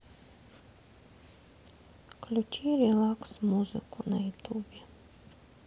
включи релакс музыку на ютубе